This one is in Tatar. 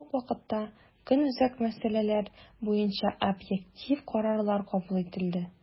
Шул ук вакытта, көнүзәк мәсьәләләр буенча объектив карарлар кабул ителде.